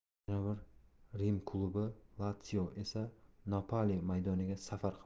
yana bir rim klubi latsio esa napoli maydoniga safar qiladi